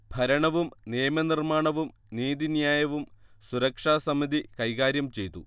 ഭരണവും നിയമനിർമ്മാണവും നീതിന്യായവും സുരക്ഷാസമിതി കൈകാര്യം ചെയ്തു